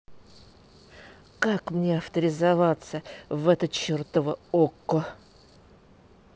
как мне авторизироваться в этом чертово okko